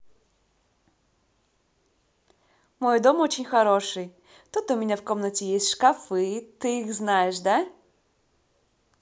мой дом очень хороший тут у меня в комнате есть шкафы ты их знаешь да